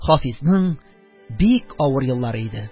Хафизның бик авыр еллары иде.